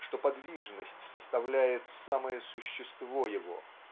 что подвижность составляет самое существо его.